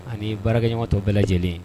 Ani baarakɛɲɔgɔntɔ bɛɛ lajɛlen